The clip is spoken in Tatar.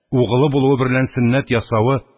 Угылы булуы берлән сөннәт ясавы